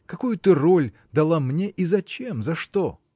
Какую ты роль дала мне и зачем, за что?